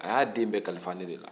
a y'a den bɛɛ kalifa ne de la